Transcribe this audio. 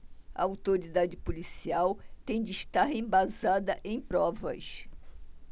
a autoridade policial tem de estar embasada em provas